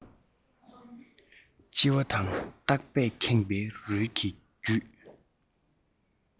ལྕི བ དང སྟུག པས ཁེངས པའི རོལ དེ བརྒྱུད